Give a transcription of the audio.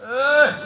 H